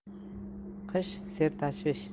qish sertashvish